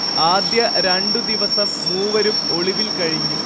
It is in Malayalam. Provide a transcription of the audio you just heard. ആദ്യ രണ്ടു ദിവസം മൂവരും ഒളിവിൽ കഴിഞ്ഞു